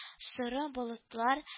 Соры болытлар